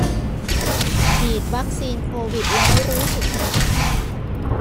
ฉีดวัคซีนโควิดแล้วรู้สึกมีไข้